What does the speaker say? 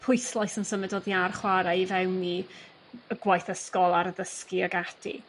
pwyslais yn symud oddi ar chwarae i fewn i yrr gwaith ysgol a'r addysgu ag ati.